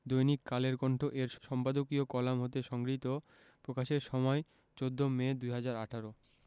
দৈনিক কালের কণ্ঠ এর সম্পাদকীয় কলাম হতে সংগৃহীত প্রকাশের সময় ১৪ মে ২০১৮